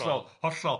Hollol, hollol.